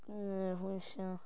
Ia weithiau